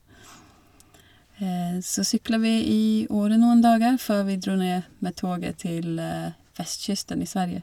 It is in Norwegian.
Så sykla vi i Åre noen dager før vi dro ned med toget til vestkysten i Sverige.